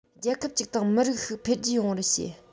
རྒྱལ ཁབ ཅིག དང མི རིགས ཤིག འཕེལ རྒྱས ཡོང བར བྱེད